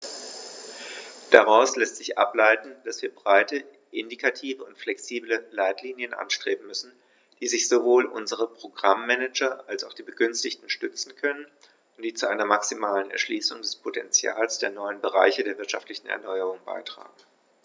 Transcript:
Daraus lässt sich ableiten, dass wir breite, indikative und flexible Leitlinien anstreben müssen, auf die sich sowohl unsere Programm-Manager als auch die Begünstigten stützen können und die zu einer maximalen Erschließung des Potentials der neuen Bereiche der wirtschaftlichen Erneuerung beitragen.